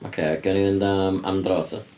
Ocê, gawn ni fynd am "Am Dro" ta.